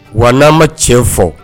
Wan ma tiɲɛ fɔ